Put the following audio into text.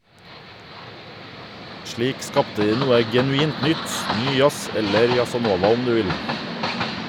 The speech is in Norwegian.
Slik skapte de noe genuint nytt - ny jazz, eller jazzanova, om du vil.